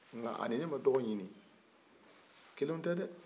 a ni ne ma dɔgɔ ɲini kelenw tɛ dɛ